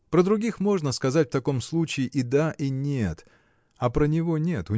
Про других можно сказать в таком случае и да и нет, а про него нет